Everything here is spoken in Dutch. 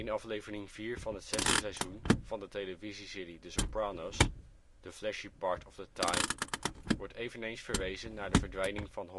aflevering vier van het zesde seizoen van de televisieserie " The Sopranos "(" The Fleshy Part of the Thigh ") wordt eveneens verwezen naar de verdwijning van